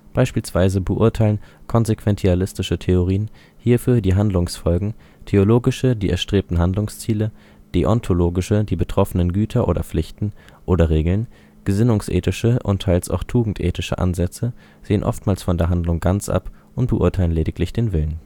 Beispielsweise beurteilen konsequentialistische Theorien hierfür die Handlungsfolgen, teleologische die erstrebten Handlungsziele, deontologische die betroffenen Güter oder Pflichten oder Regeln; gesinnungsethische und teils auch tugendethische Ansätze sehen oftmals von der Handlung ganz ab und beurteilen lediglich den Willen